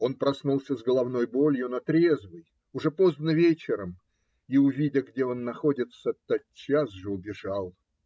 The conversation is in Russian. Он проснулся с головной болью, но трезвый, уже поздно вечером и, увидя, где он находится, тотчас же убежал.